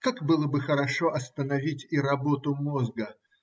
Как было бы хорошо остановить и работу мозга!